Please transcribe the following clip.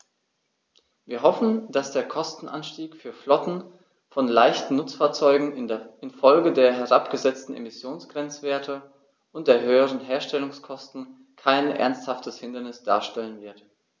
Wir hoffen, dass der Kostenanstieg für Flotten von leichten Nutzfahrzeugen in Folge der herabgesetzten Emissionsgrenzwerte und der höheren Herstellungskosten kein ernsthaftes Hindernis darstellen wird.